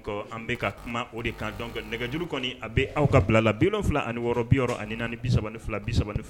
An ka kuma o de kan nɛgɛj kɔni a bɛ aw ka bila la bi fila ani wɔɔrɔ bi yɔrɔ ani naani bisa fila bisa fila